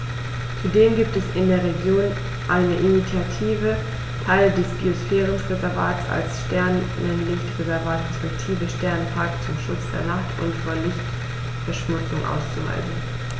Zudem gibt es in der Region eine Initiative, Teile des Biosphärenreservats als Sternenlicht-Reservat respektive Sternenpark zum Schutz der Nacht und vor Lichtverschmutzung auszuweisen.